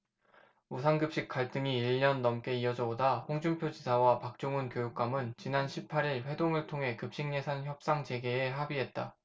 무상급식 갈등이 일 년 넘게 이어져 오다 홍준표 지사와 박종훈 교육감은 지난 십 팔 일 회동을 통해 급식예산 협상 재개에 합의했다